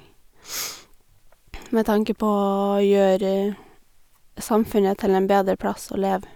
Med tanke på å gjøre samfunnet til en bedre plass å leve.